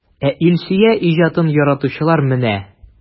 Ә Илсөя иҗатын яратучылар менә!